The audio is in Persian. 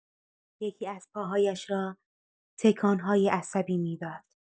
یکی ازپاهایش را تکان‌هایی عصبی می‌داد.